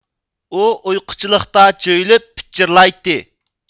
ئۇ ئۇيقۇچىلىقتا جۆيلۈپ پىچىرلايتتى